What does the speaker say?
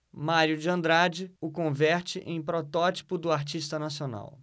mário de andrade o converte em protótipo do artista nacional